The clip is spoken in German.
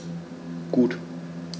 Gut.